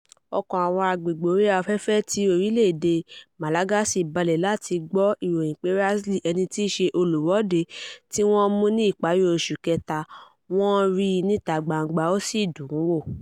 Ọ̀kan àwọn agbègbè orí afẹ́fẹ́ ti orílẹ̀ èdè Malagasy balẹ̀ láti gbọ́ ìròyìn pé Razily, ẹni tí í ṣe olùwọ́de tí wọ́n mú ní ìparí oṣù Kẹta, wọ́n ríi ní ìta gbangba (fr) ó sì dùn ún wò.